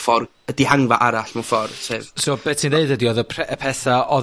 ffor, yy dihangfa arall, mewn ffordd . So, be' ti'n ddeud ydi oedd y pre- y petha odd